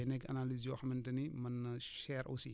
day nekk analyses yoo xamante ni mën na cher aussi